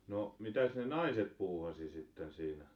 no mitäs ne naiset puuhasi sitten siinä